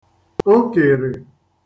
okèrè